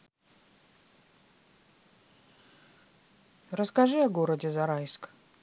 расскажи о городе зарайск